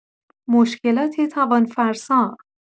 مشکلات توان‌فرسا